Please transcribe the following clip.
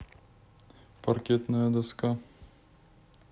паркетная доска